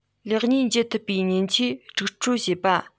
ལེགས ཉེས འབྱེད ཐུབ པའི མཉེན ཆས སྒྲིག སྤྲོད བྱེད པ